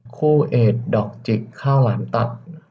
คู่เอดดอกจิกข้าวหลามตัด